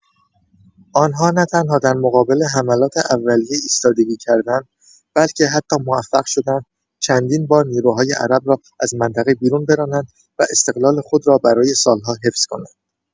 آنها نه‌تنها در مقابل حملات اولیه ایستادگی کردند، بلکه حتی موفق شدند چندین‌بار نیروهای عرب را از منطقه بیرون برانند و استقلال خود را برای سال‌ها حفظ کنند.